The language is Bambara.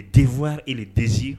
Denfawa e dez